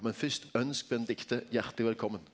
men fyrst ønsk Benedicte hjarteleg velkommen!